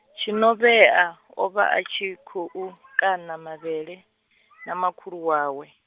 Tshinovhea, o vha a tshi khou u, kana mavhele, na makhulu wawe.